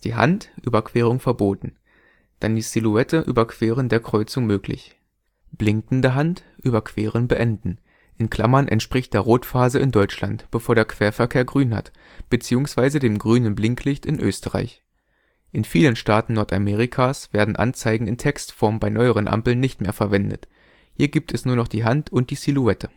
Hand: Überquerung verboten; Silhouette: Überqueren der Kreuzung möglich; Blinkende Hand: Überqueren beenden (entspricht der Rotphase in Deutschland, bevor der Querverkehr Grün hat, bzw. dem grünen Blinklicht in Österreich). In vielen Staaten Nordamerikas werden Anzeigen in Textform bei neueren Ampeln nicht mehr verwendet. Hier gibt es nur noch die Hand und die Silhouette